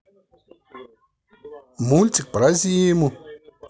мультик про зиму